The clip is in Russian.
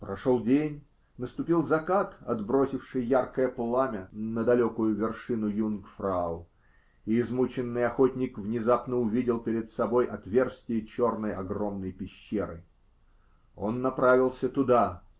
Прошел день, наступил закат, отбросивший яркое пламя на далекую вершину Юнгфрау, и измученный охотник внезапно увидел перед собой отверстие черной огромной пещеры. Он направился туда.